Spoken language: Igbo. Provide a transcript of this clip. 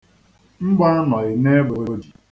Mgbọ anọghị n'egbe o ji.